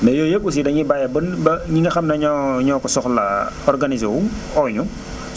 ne yooyu yëpp aussi dañuy bàyyi ba ñi nga xam ne ñoo ñoo ko soxla organisé wu woo ñu